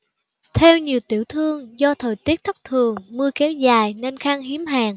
theo nhiều tiểu thương do thời tiết thất thường mưa kéo dài nên khan hiếm hàng